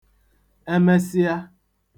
emesịa